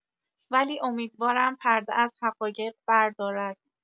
ولی امیدوارم پرده از حقایق بردارد